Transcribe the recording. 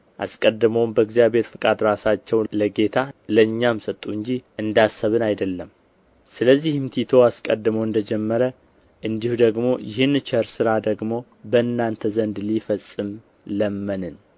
አስቀድመውም በእግዚአብሔር ፈቃድ ራሳቸውን ለጌታ ለእኛም ሰጡ እንጂ እንዳሰብን አይደለም ስለዚህም ቲቶ አስቀድሞ እንደ ጀመረ እንዲሁ ደግሞ ይህን ቸር ሥራ ደግሞ በእናንተ ዘንድ ሊፈጽም ለመንን